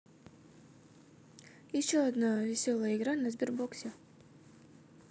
вообще одна веселая игра на сбербоксе